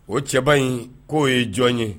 O cɛba in k'o ye jɔn ye